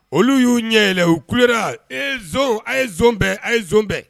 Olu y'u ɲɛ yɛlɛɛlɛ u kura e ye a ye bɛɛ a ye bɛɛ